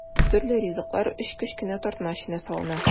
Төрле ризыклар өч кечкенә тартма эченә салына.